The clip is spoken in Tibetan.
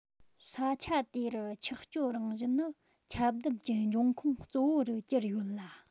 ས ཆ དེ རུ ཆགས སྤྱོད རང བཞིན ནི ཁྱབ བརྡལ གྱི འབྱུང ཁུངས གཙོ བོ རུ གྱུར ཡོད ལ